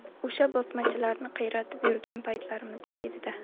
o'sha bosmachilarni qiyratib yurgan paytlarimizda edida